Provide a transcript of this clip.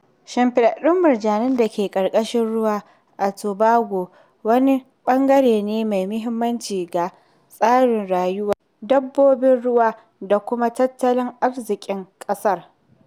Shimfiɗaɗɗun murjanin da ke ƙarƙashin ruwa a Tobago wani ɓangare ne mai muhimmanci ga tsarin rayuwar dabbobin ruwa da kuma tattalin arziƙin ƙasar.